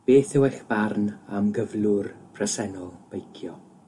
beth yw eich barn am gyflwr presennol beicio?